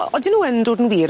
O- odyn nw yn dod yn wir?